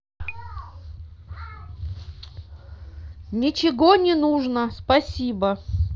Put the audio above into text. ничего не нужно спасибо